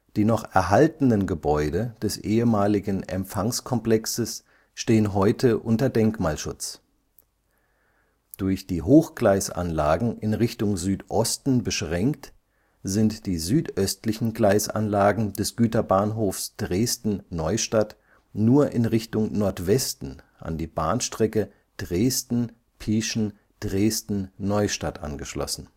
Die noch erhaltenen Gebäude des ehemaligen Empfangskomplexes stehen heute unter Denkmalschutz. Durch die Hochgleisanlagen in Richtung Südosten beschränkt, sind die südöstlichen Gleisanlagen des Güterbahnhofs Dresden-Neustadt nur in Richtung Nordwesten an die Bahnstrecke Dresden-Pieschen – Dresden-Neustadt angeschlossen